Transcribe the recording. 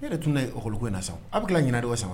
Ne yɛrɛ tun ye h kɔlɔli ko in na sa aw bɛ tila ɲinin don wa sama